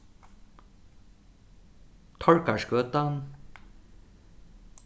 tórgarðsgøta